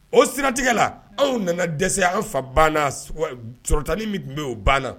O siratigɛla anw nana dɛsɛ anw fa banna sɔrɔ tan min tun bɛ o banna